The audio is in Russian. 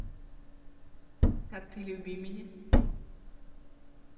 а ты люби меня